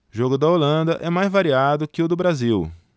jogo da holanda é mais variado que o do brasil